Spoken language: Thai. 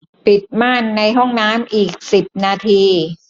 ปิดม่านในห้องน้ำอีกสิบนาที